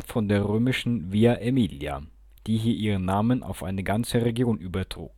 von der römischen Via Aemilia, die hier ihren Namen auf eine ganze Region übertrug